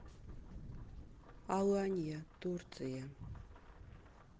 аланья турция